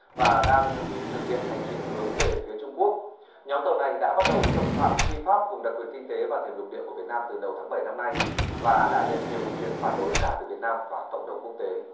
và đang thực hiện hành trình hướng về phía trung quốc nhóm tàu này đã bắt đầu xâm phạm phi pháp vùng đặc quyền kinh tế và thềm lục địa của việt nam từ đầu tháng bẩy năm nay và đã nhận nhiều ý kiến phản đối cả từ việt nam và cộng đồng quốc tế